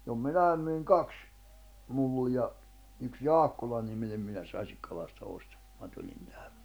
jo minä myin kaksi mullia yksi Jaakkola-niminen mies Asikkalasta osti kun minä tulin tähän